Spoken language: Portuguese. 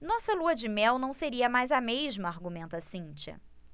nossa lua-de-mel não seria mais a mesma argumenta cíntia